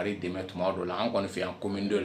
A be dɛmɛ tumadɔ la an kɔni fe yan commune II la